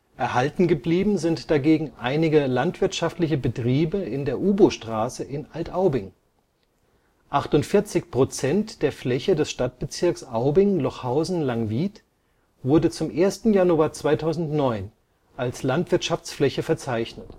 Erhalten geblieben sind dagegen einige landwirtschaftliche Betriebe in der Ubostraße in Alt-Aubing. 48 % der Fläche des Stadtbezirks Aubing-Lochhausen-Langwied wurde zum 1. Januar 2009 als Landwirtschaftsfläche verzeichnet